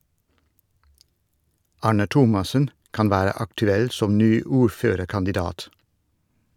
Arne Thomassen kan være aktuell som ny ordførerkandidat.